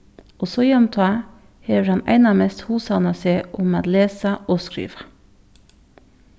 og síðani tá hevur hann einamest hugsavnað seg um at lesa og skriva